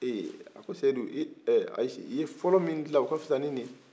a ko sedu ee ayise i ye fɔlɔ min dilan o ka fisa ni in ye